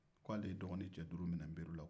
k'ale ye dɔgɔnin cɛ duuru minɛ nbari la